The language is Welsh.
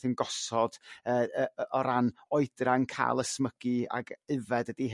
yn gosod yrr yrr o ran oedran ca'l ysmygu ag ifad ydy